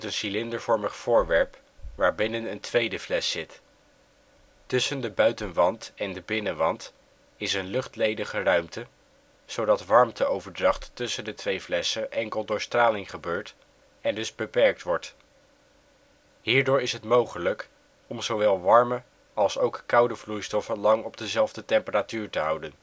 cilindervormig voorwerp, waarbinnen een tweede fles zit. Tussen de buitenwand en de binnenwand is een luchtledige ruimte, zodat warmteoverdracht tussen de twee flessen enkel door straling gebeurt en dus beperkt wordt. Hierdoor is het mogelijk om zowel warme als ook koude vloeistoffen lang op dezelfde temperatuur te houden